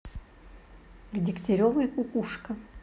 дегтярева кукушка